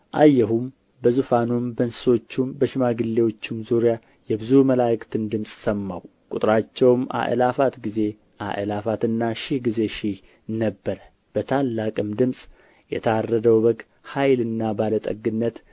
አየሁም በዙፋኑም በእንስሶቹም በሽማግሌዎቹም ዙሪያ የብዙ መላእክትን ድምፅ ሰማሁ ቍጥራቸውም አእላፋት ጊዜ አእላፋትና ሺህ ጊዜ ሺህ ነበር በታላቅም ድምፅ የታረደው በግ ኃይልና ባለ ጠግነት